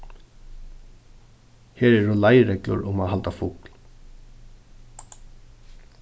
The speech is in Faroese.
her eru leiðreglur um at halda fugl